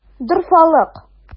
Дорфалык!